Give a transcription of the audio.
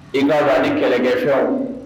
I' ni kɛlɛkɛfɛnw